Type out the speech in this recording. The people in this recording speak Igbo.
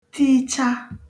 tiicha